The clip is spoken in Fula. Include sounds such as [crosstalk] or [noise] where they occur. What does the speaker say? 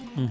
[hesitation] [hesitation]